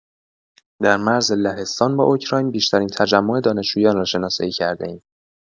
در مرز لهستان با اوکراین بیشترین تجمع دانشجویان را شناسایی کرده‌ایم.